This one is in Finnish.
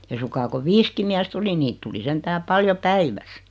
ei suinkaan kun viisikin miestä oli niitä tuli sentään paljon päivässä